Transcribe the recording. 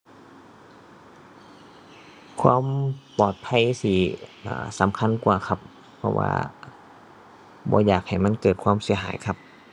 ความปลอดภัยสิ อ่า สำคัญกว่าครับ เพราะว่าบ่อยากให้มันเกิดความเสียหายครับ